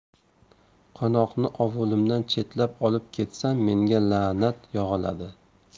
qo'noqni ovulimdan chetlab olib ketsam menga la'nat yog'iladi